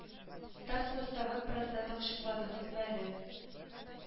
Старт составын процент ачыкладыгызмы әле